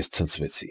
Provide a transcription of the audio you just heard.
Ես ցնցվեցի,